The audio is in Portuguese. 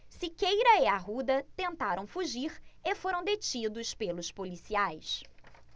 siqueira e arruda tentaram fugir e foram detidos pelos policiais